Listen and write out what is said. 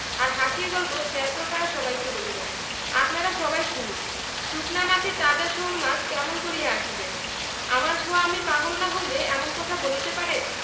আর হাসির গল্প ৭৬ পাড়ার সবাইকে বলিল আপনারা সবাই বলুন শুকনা মাঠে তাজা শোলমাছ কেমন করিয়া আসিবে আমার সোয়ামী পাগল না হইলে এমন কথা বলিতে পারে